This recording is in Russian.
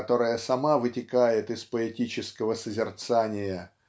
которая сама вытекает из поэтического созерцания